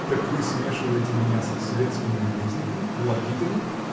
— Так вы смешиваете меня с светскими любезниками, волокитами?